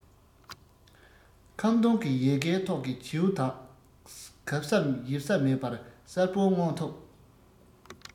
ཁམ སྡོང གི ཡལ གའི ཐོག གི བྱིའུ དག གབ ས ཡིབ ས མེད པར གསལ པོར མངོན ཐུབ